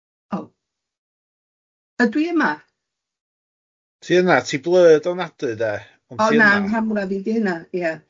O ydw i yma? Ti yna, ti blurred onadwy de, ond ti yna. O na, yng nghamra fi di hynna, ie.